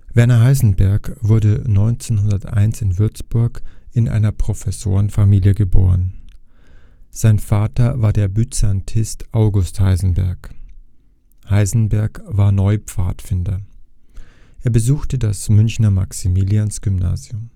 Werner Heisenberg wurde 1901 in Würzburg in einer Professorenfamilie geboren. Sein Vater war der Byzantinist August Heisenberg. Heisenberg war Neupfadfinder. Er besuchte das Münchner Maximiliansgymnasium